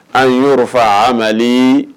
A fa mɛ